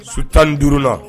Su tan ni duuruurununa